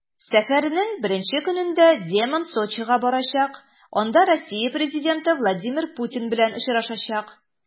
Сәфәренең беренче көнендә Земан Сочига барачак, анда Россия президенты Владимир Путин белән очрашачак.